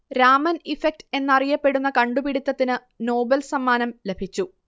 Raman effect എന്നറിയപ്പെടുന്ന കണ്ടുപിടിത്തത്തിന് Nobel സമ്മാനം ലഭിച്ചു